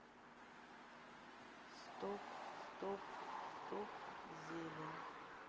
стоп стоп стоп зелень